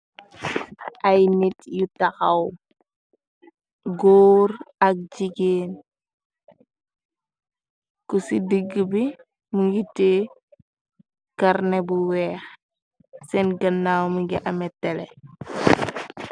Ay nit yu taxaw, góor ak jigéen, ko ci digg bi mu ngi tiye karne bu weex, seen gannaaw mingi amé tele.